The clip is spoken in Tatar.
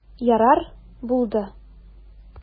Ярар, булды.